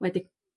wedi